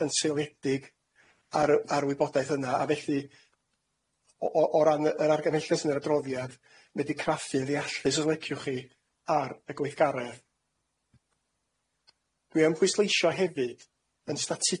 dau ddeg chwech gai wahodd y pennaeth gwasanaetha' Democratiaeth i